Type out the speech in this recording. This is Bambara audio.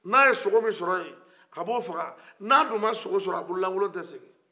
ni a ye sogo min sɔrɔ ye a bɛ o faga ni a duma sogo sɔrɔ a bolo lakolon tɛ segi